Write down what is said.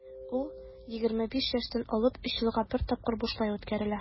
Ул 21 яшьтән алып 3 елга бер тапкыр бушлай үткәрелә.